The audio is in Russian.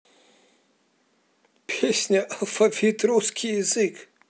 песня алфавит русский язык